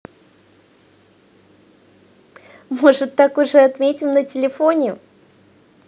может так уже отметим на телефоне